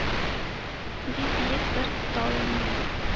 — дип, биек бер тау янына